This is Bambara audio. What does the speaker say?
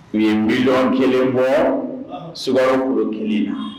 U ye million 1 bɔ sukaro